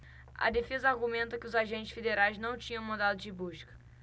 a defesa argumenta que os agentes federais não tinham mandado de busca